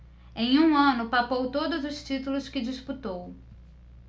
em um ano papou todos os títulos que disputou